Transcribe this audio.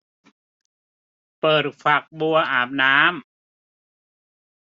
เปิดฝักบัวอาบน้ำ